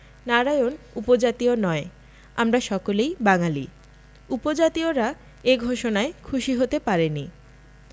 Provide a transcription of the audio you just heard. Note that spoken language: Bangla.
নারায়ণ উপজাতীয় নয় আমরা সকলেই বাঙালি উপজাতিয়রা এ ঘোষণায় খুশী হতে পারেনি